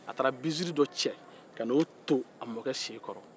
a taara binsiri dɔ cɛ ka n'o don a mɔkɛ sen kɔrɔ